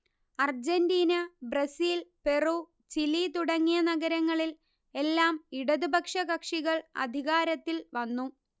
Argentina Brazil Peru Chile തുടങ്ങിയ നഗരങ്ങളിൽ എല്ലാം ഇടതുപക്ഷ കക്ഷികൾ അധികാരത്തിൽ വന്നു